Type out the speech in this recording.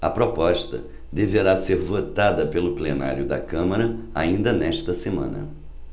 a proposta deverá ser votada pelo plenário da câmara ainda nesta semana